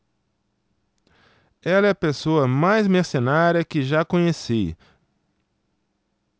ela é a pessoa mais mercenária que já conheci